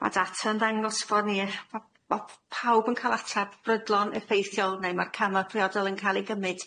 Ma' data'n ddangos bo' ni m- p- pawb yn cal atab brydlon effeithiol neu ma'r cama priodol yn cal'i gymyd.